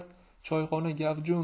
choyxona gavjum